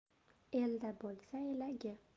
elda bo'lsa elagi